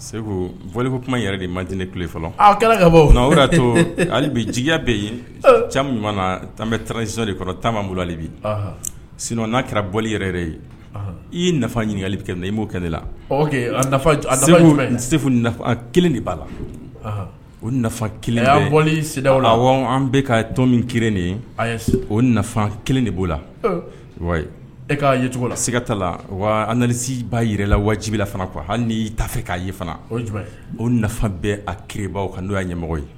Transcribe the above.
Segu bɔ ko kuma yɛrɛ de ma di ne tile fɔlɔ ka bɔ o to hali bi jigiya bɛ yen mana na tan bɛ tansi de kɔrɔ tanma bolo ale bi sin n'a kɛra bɔli yɛrɛ ye i ye nafa ɲininkali na i b'o kɛ ne la se nafa kelen de b'a la o nafa kelenda la an bɛ ka tɔnon min kelen de ye o nafa kelen de b'o la e kacogo la seigata la wa ansi b'a jira la wajibila kuwa hali n' tafe k'a ye fana o nafa bɛɛ a kibaw kan n'o' ɲɛmɔgɔ ye